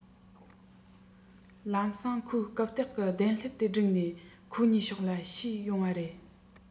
ལམ སེང ཁོའི རྐུབ འོག གི གདན ལྷེབ དེ སྒྲུག ནས ཁོ གཉིས ཕྱོགས ལ ཞུས ཡོང བ རེད